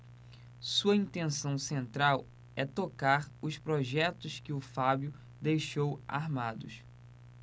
sua intenção central é tocar os projetos que o fábio deixou armados